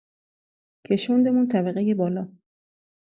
کشوندمون طبقه بالا.